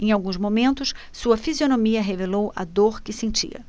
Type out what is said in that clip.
em alguns momentos sua fisionomia revelou a dor que sentia